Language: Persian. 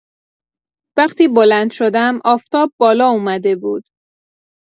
وقتی بلند شدم، آفتاب بالا اومده بود.